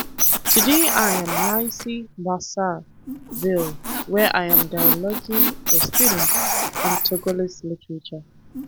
Today I'm at lycée Bassar Ville where I'm dialoguing with students on Togolese literature.